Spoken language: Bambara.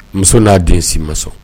Muso n'a den si ma sɔn